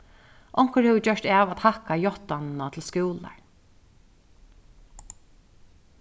onkur hevur gjørt av at hækka játtanina til skúlar